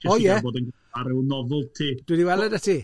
Jyst i gal bod yn- ar ryw novelty. Dwi 'di weld e 'da ti.